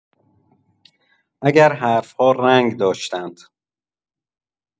اگر حرف‌ها رنگ داشتند!